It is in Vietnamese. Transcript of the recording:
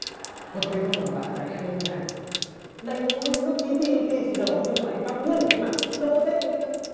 có thế thôi mà bà ấy đánh anh như thế này đánh có mỗi nốt tí ti ti trên đầu mà anh băng luôn cả cái mặt lố thế không biết nữa